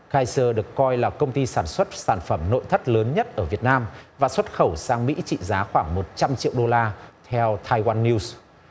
cay sơ được coi là công ty sản xuất sản phẩm nội thất lớn nhất ở việt nam và xuất khẩu sang mỹ trị giá khoảng một trăm triệu đô la theo thai quan niu